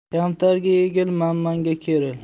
kamtarga egil manmanga keril